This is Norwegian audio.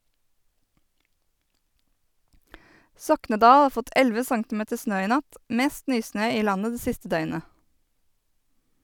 Soknedal har fått elleve centimeter snø i natt, mest nysnø i landet det siste døgnet.